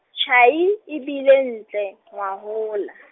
Tjhai, e bile ntle, ngwahola.